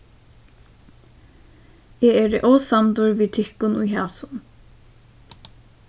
eg eri ósamdur við tykkum í hasum